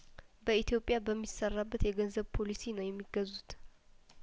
በኢትዮጵያ በሚሰራበት የገንዘብ ፖሊሲ ነው የሚገዙት